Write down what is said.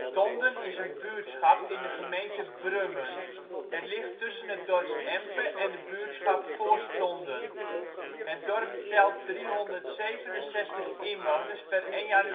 Tonden is een buurtschap in de gemeente Brummen. Het ligt tussen het dorp Empe en de buurtschap Voorstonden. Het dorp telt 367 inwoners (01-01-2009